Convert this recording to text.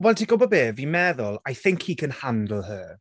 Wel, ti'n gwybod be? Fi'n meddwl I think he can handle her.